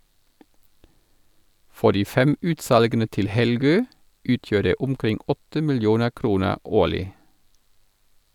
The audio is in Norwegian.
For de fem utsalgene til Helgø utgjør det omkring 8 millioner kroner årlig.